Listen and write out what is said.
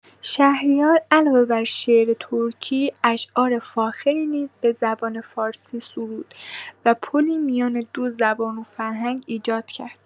شهریار علاوه بر شعر ترکی، اشعار فاخری نیز به زبان فارسی سرود و پلی میان دو زبان و فرهنگ ایجاد کرد.